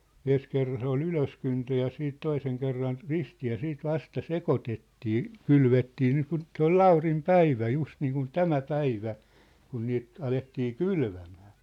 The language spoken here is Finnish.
ensi kerran se oli ylöskyntö ja sitten toisen kerran ristiin ja sitten vasta sekoitettiin kylvettiin niin kuin se oli Laurin päivä just niin kuin tämä päivä kun niitä alettiin kylvämään